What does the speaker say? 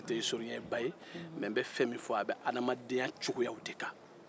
ne te isitoriyɛnba ye nka n bɛ fɛn min fɔ a be adamadenya cogoya de kan